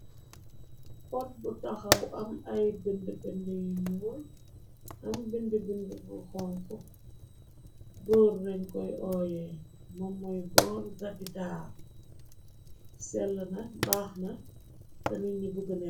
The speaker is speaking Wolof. Pot bu taxaw am ay bindi bindi yu ñuul am bindi bindi yu xonxu boor len koy oyée mom moy boor zadida sel na baax na te nit ñi buga neen ko.